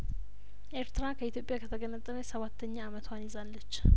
ኤርትራ ከኢትዮጵያ ከተገነጠለች ሰባተኛ አመቷን ይዛለች